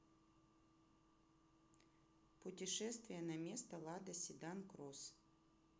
путешествие на место лада седан кросс